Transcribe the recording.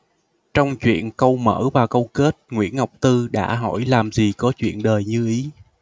trong truyện câu mở và câu kết nguyễn ngọc tư đã hỏi làm gì có chuyện đời như ý